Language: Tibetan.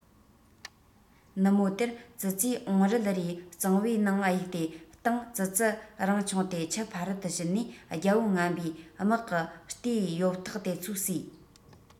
ནུབ མོ དེར ཙི ཙིས ཨོག རིལ རེ གཙང པོའི ནང གཡུག དེའི སྟེང ཙི ཙི རང མཆོངས ཏེ ཆུ ཕ རོལ དུ ཕྱིན ནས རྒྱལ པོ ངན པའི དམག གི རྟའི ཡོབ ཐག དེ ཚོ ཟས